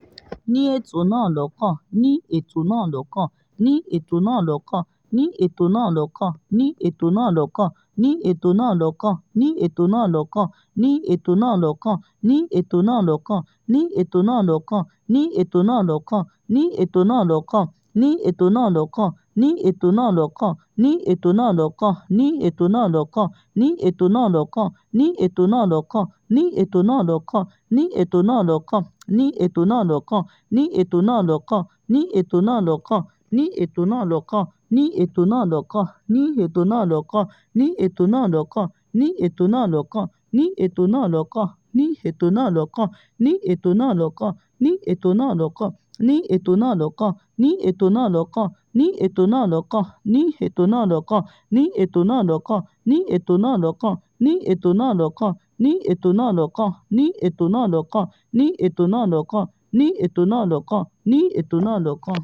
Ní ètò náà lọ́kàn.”